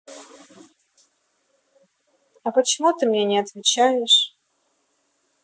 а почему ты мне не отвечаешь